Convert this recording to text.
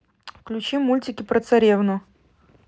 включи мультики про царевну